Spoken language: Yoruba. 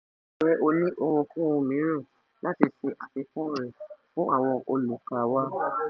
Ǹjẹ́ o ní ohunkóhun mìíràn láti ṣe àfikún rẹ̀ fún àwọn olùkà wa?